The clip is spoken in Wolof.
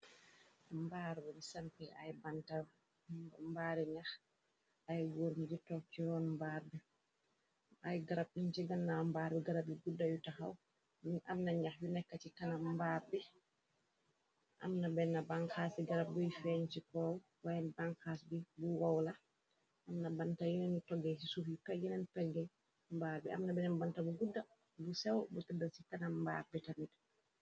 Mbaarbu bi samti ay bantab mbaari ñax ay góurn ji tokciroon mbaar bi ay garab ni jëgannaaw mbaar bi garab yu gudda yu taxaw ni amna ñax yu nekk ci kana mbaar bi amna benn banxaas ci garab buy feeñ cikoo wayeen banxaas bi bu wow la amna banta yoonu togee ci suuf yu ka yeneen peggi mbaar bi amna benneen banta bu gudda bu sew bu tëddal ci kana mbaar bi tanit.